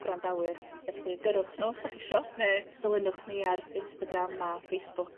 gwrandawyr felly gyrrwch nhw os dach chi isio ne' dilynwch ni ar Instagram a Facebook